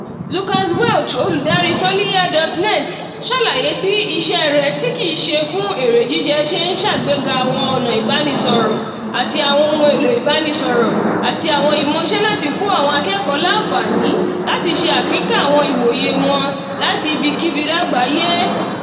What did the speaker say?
- Lucas Welsh, Olùdarí Soliya.net, sàlàyé bí ilé iṣẹ́ rẹ̀ tí kìí se fún èrè jíjẹ ṣe ń ṣàgbéga àwọn ọ̀nà ìbáraẹnisọ̀rọ̀ àti àwọn ohun èlò ìbáraẹnisọ̀rọ̀ àti àwọn ìmọṣẹ́ láti fún àwọn akẹ́kọ̀ọ́ láǹfààní láti ṣe àpínká àwọn ìwòye wọn láti ibikíbi lágbàáyé.